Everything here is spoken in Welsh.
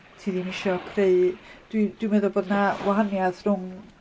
Ti ddim isio creu, dwi- dwi'n meddwl bod yna wahaniaeth rhwng...